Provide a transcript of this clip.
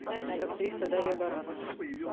актриса дарья баранова